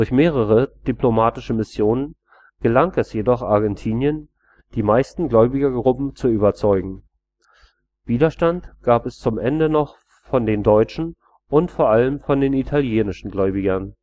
mehrere diplomatische Missionen gelang es jedoch Argentinien, die meisten Gläubigergruppen zu überzeugen, Widerstand gab es bis zum Ende noch von den deutschen und vor allem von den italienischen Gläubigern